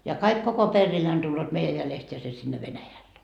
ja kaikki koko perheineen tulevat meidän jäljestä ja se sinne Venäjälle